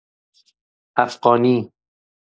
افغانی